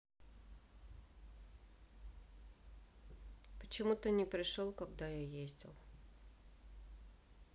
почему то не пришел когда я ездил